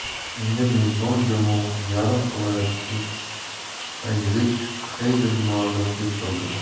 unga mezbon jamoa yarim himoyachisi ayzek xeyden mualliflik qildi